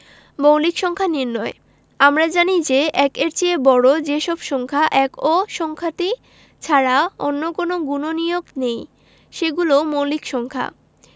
মৌলিক সংখ্যা নির্ণয় আমরা জানি যে ১ এর চেয়ে বড় যে সব সংখ্যা ১ ও সংখ্যাটি ছাড়া অন্য কোনো গুণনীয়ক নেই সেগুলো মৌলিক সংখ্যা